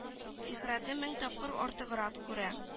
Фикърәтне мең тапкыр артыграк күрә